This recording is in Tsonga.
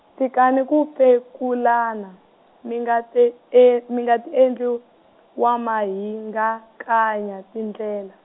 tshikani ku pekulana, mi nga ti e-, minga tiendli wamahingakanya tindlela.